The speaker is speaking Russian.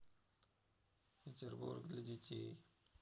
петербург для детей